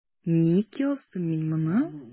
Ник яздым мин моны?